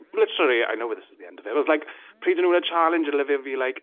Literally, I know where this is the end of it. I was like, pryd oedden nhw yn y challenge, Olivia would be like.